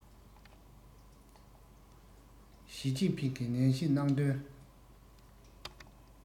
ཞིས ཅིན ཕིང གིས ནན བཤད གནང དོན